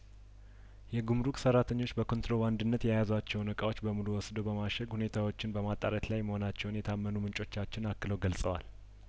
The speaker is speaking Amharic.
የጉምሩክ ሰራተኞች በኮንትሮባንድነት የያዙዋቸውን እቃዎች በሙሉ ወስደው በማሸግ ሁኔታዎችን በማጣራት ላይ መሆናቸውን የታመኑ ምንጮቻችን አክለው ገልጸዋል